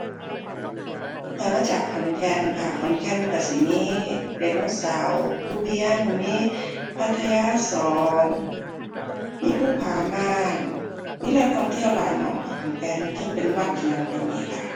ข้อยมาจากขอนแก่นค่ะ ขอนแก่นก็สิมีไดโนเสาร์ ภูเวียง มีพัทยาสอง มีภูผาม่าน มีแหล่งท่องเที่ยวหลายหม้องค่ะขอนแก่น เทิงเป็นวัดเป็นหยังก็มีค่ะ